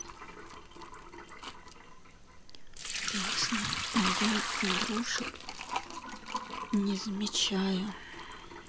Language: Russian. песня а я игрушек не замечаю